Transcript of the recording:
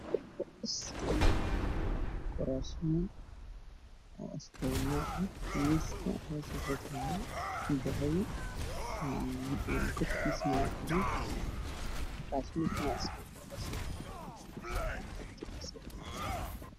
Waa qol waxaa yaalo miis iyo kuraas midabkooda ka kooban yihiin midow iyo dahabi lka waa mataleen madow iyo caddaan